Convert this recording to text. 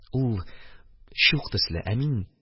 Ул чук төсле, ә мин